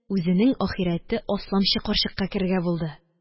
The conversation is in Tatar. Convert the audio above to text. Үзенең ахирәте асламчы карчыкка керергә булды